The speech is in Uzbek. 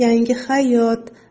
yangi hayot